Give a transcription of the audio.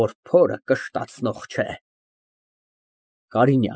ԿԱՐԻՆՅԱՆ ֊